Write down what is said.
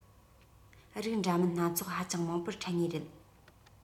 རིགས འདྲ མིན སྣ ཚོགས ཧ ཅང མང པོར འཕྲད ངེས རེད